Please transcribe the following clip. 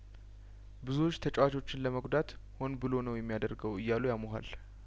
ብዙዎች ተጨዋቾችን ለመጉዳት ሆን ብሎ ነው የሚያደርገው እያሉ ያሙ ሀል